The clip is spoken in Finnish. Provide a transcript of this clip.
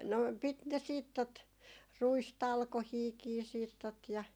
no piti ne sitten tuota ruistalkoitakin sitten tuota ja